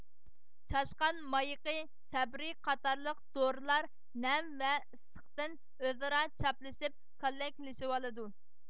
چاشقان مايىقى سەبرى قاتارلىق دورىلار نەم ۋە ئىسسىقتىن ئۆزئارا چاپلىشىپ كاللەكلىشىۋالىدۇ